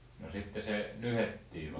no sitten se nyhdettiin vai